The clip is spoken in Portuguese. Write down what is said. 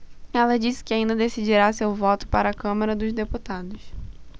ela disse que ainda decidirá seu voto para a câmara dos deputados